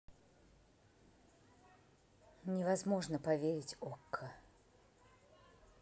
невозможно поверить okko